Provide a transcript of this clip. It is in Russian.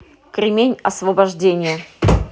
кремень освобождение